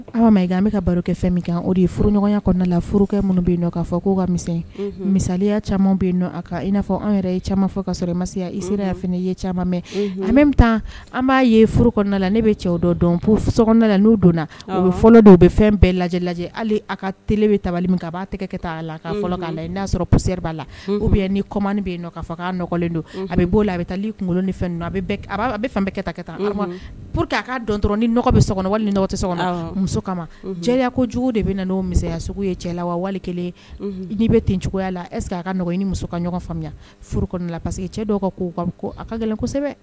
A ma i an bɛka ka baro kɛ fɛn min kan o de ye furuɲɔgɔnya furu minnu bɛ yen kaa fɔ k' ka mi misaya caman bɛ yen a i n'a fɔ anw yɛrɛ c fɔ ka masa i sera ye caman mɛn taa an b'a ye furu la ne bɛ cɛw dɔ dɔn la n'o donna u bɛ fɔlɔ dɔw bɛ fɛn bɛɛ lajɛ lajɛ hali a ka t bɛ ta a b'a tɛgɛ ka' la la i'a sɔrɔsɛ b'a la u bɛ ni kɔmamani bɛ' nɔgɔkɔlen don a bɛ'o la a bɛ taa kunkolokolon a a bɛ kata ka p a ka dɔn dɔrɔn ni bɛ ni tɛ muso kama cɛ ko jugu de bɛ na o miya sugu ye cɛ la wa wali kelen n' bɛ ten cogoyaya la ɛse a kaɔgɔn ni muso ka ɲɔgɔn faamuya furu la parce que cɛ dɔw ka ko a ka gɛlɛnsɛbɛ